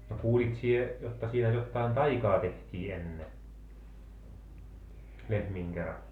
no kuulit sinä jotta siinä jotakin taikaa tehtiin ennen lehmien kera